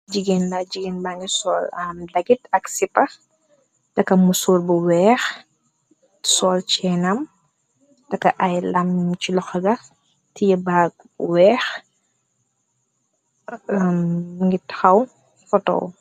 Jigeen da, jigeen bàngi sool am dagit ak sipax, daka mu soor bu weex, sool ceenam, daka ay lamñ ci loxaga, tiye baag bu weex, ngit xaw fotow.